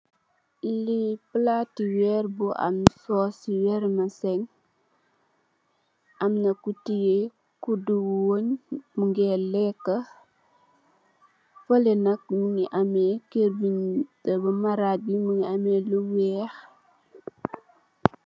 Li palati veer bu am succe veermisin am na kutiye kutdu wong mu nge lekka falle nak mu ngi amme kerr bu am marrag bi mu ngi amme lu weex.